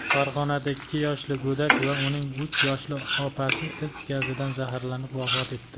farg'onada ikki yoshli go'dak va uning uch yoshli opasi is gazidan zaharlanib vafot etdi